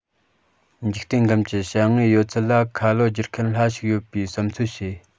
འཇིག རྟེན ཁམས ཀྱི བྱ དངོས ཡོད ཚད ལ ཁ ལོ སྒྱུར མཁན ལྷ ཞིག ཡོད པའི བསམ ཚོད བྱས